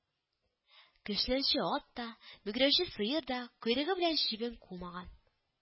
Кешнәүче ат та, мөгрәүче сыер да койрыгы белән чебен кумаган